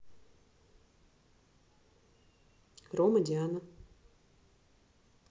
рома диана